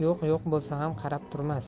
yo'q yo'q bo'lsa ham qarab turmas